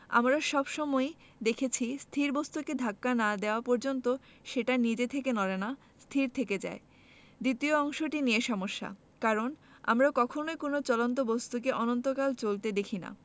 আমরা সব সময়ই দেখেছি স্থির বস্তুকে ধাক্কা না দেওয়া পর্যন্ত সেটা নিজে থেকে নড়ে না স্থির থেকে যায় দ্বিতীয় অংশটি নিয়ে সমস্যা কারণ আমরা কখনোই কোনো চলন্ত বস্তুকে অনন্তকাল চলতে দেখি না